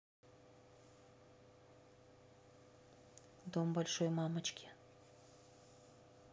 дом большой мамочки